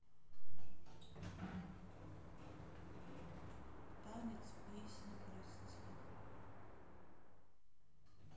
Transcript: танец песни прости